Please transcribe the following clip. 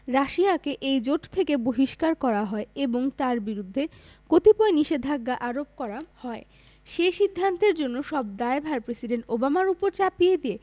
রাশিয়াকে এই জোট থেকে বহিষ্কার করা হয় এবং তার বিরুদ্ধে কতিপয় নিষেধাজ্ঞা আরোপ করা হয় সে সিদ্ধান্তের জন্য সব দায়ভার প্রেসিডেন্ট ওবামার ওপর চাপিয়ে দিয়ে